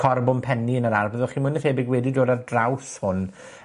corbwmpenni yn yr ardd byddwch chi mwy na thebyg wedi dod ar draws hwn.